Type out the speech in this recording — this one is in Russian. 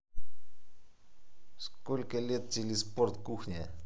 сколько лет телеспорт кухня